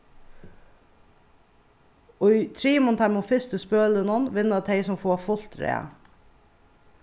í trimum teimum fyrstu spølunum vinna tey sum fáa fult rað